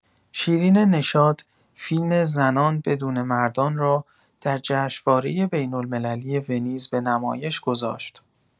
شیرین نشاط فیلم زنان بدون مردان را در جشنواره بین‌المللی ونیز به نمایش گذاشت.